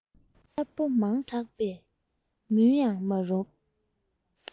དཀར པོ མང དྲགས པས མུན ཡང མ རུབ